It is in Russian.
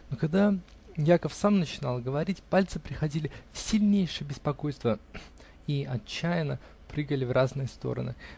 но когда Яков сам начинал говорить, пальцы приходили в сильнейшее беспокойство и отчаянно прыгали в разные стороны.